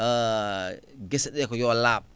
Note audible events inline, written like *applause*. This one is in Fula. *hesitation* gese ɗee ko yo laaɓ